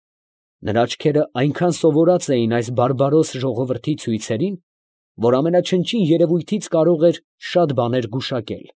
Նրա աչքերը այնքան սովորած էին այս բարբարոս ժողովրդի ցույցերին, որ ամենաչնչին երևույթից կարող էր շատ բաներ գուշակել։